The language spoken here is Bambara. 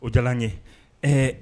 O diyara ye ɛɛ